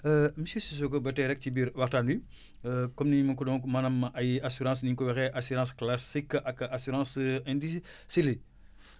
monsieur Cissokho ba tey rek ci biir waxtaan wi comme niñ ma ko donc maanaam ay assurances ni ñu ko waxee assurance classique ak assurance